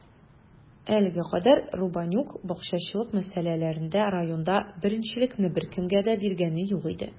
Әлегә кадәр Рубанюк бакчачылык мәсьәләләрендә районда беренчелекне беркемгә дә биргәне юк иде.